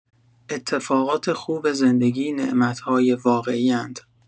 اتفاقات خوب زندگی نعمت‌های واقعی‌اند.